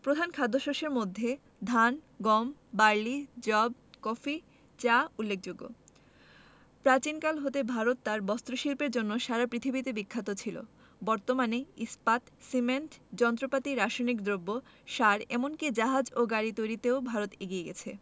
প্রধান খাদ্যশস্যের মধ্যে ধান গম বার্লি যব কফি চা উল্লেখযোগ্যপ্রাচীনকাল হতে ভারত তার বস্ত্রশিল্পের জন্য সারা পৃথিবীতে বিখ্যাত ছিল বর্তমানে ইস্পাত সিমেন্ট যন্ত্রপাতি রাসায়নিক দ্রব্য সার এমন কি জাহাজ ও গাড়ি তৈরিতেও ভারত এগিয়ে গেছে